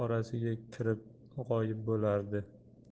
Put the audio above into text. orasiga kirib g'oyib bo'lardi